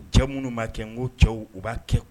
Ja minnu b'a kɛ n ko cɛw u b'a kɛ